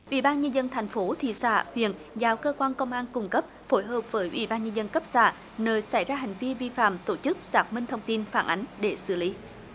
ủy ban nhân dân thành phố thị xã huyện giao cơ quan công an cùng cấp phối hợp với ủy ban nhân dân cấp xã nơi xảy ra hành vi vi phạm tổ chức xác minh thông tin phản ánh để xử lý